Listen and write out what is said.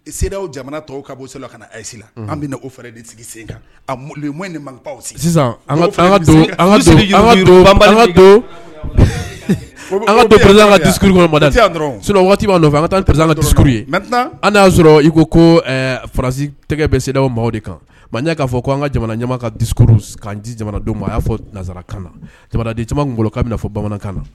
Jamana tɔw ka bɔ ka ayi an sigi sen an ka waati'a nɔfɛ an ka taa ka y'a sɔrɔ i ko ko farasi tɛgɛ bɛ se de kan ma'a fɔ ko an ka jamana ɲa kakuru kan jamana don ma a y'a fɔzra kan jamana di caman ngolo' bɛ fɔ bamanankan na